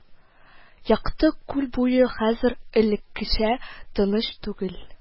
Якты күл буе хәзер элеккечә тыныч түгел